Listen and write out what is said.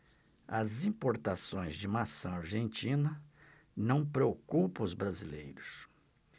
as importações de maçã argentina não preocupam os plantadores